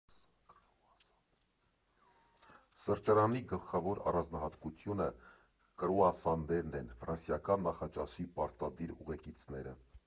Սրճարանի գլխավոր առանձնահատկությունը կրուասաններն են՝ ֆրանսիական նախաճաշի պարտադիր ուղեկիցները։